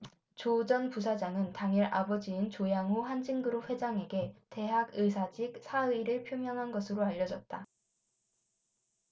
조 전 부사장은 당일 아버지인 조양호 한진그룹 회장에게 대학 이사직 사의를 표명한 것으로 알려졌다